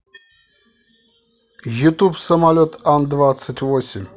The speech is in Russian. ютуб самолет ан двадцать восемь